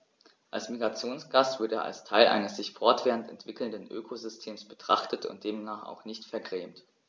Als Migrationsgast wird er als Teil eines sich fortwährend entwickelnden Ökosystems betrachtet und demnach auch nicht vergrämt.